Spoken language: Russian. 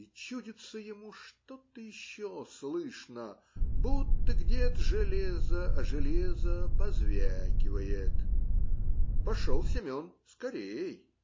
и чудится ему, что-то еще слышно: будто где-то железо о железо позвякивает. Пошел Семен скорей.